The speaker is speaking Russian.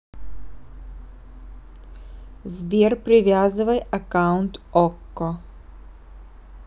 сбер привязывай аккаунт okko